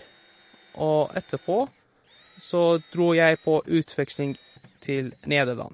Og etterpå så dro jeg på utveksling til Nederland.